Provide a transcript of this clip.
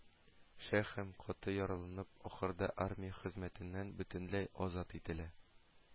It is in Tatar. Ша һәм, каты яраланып, ахырда армия хезмәтеннән бөтенләй азат ителә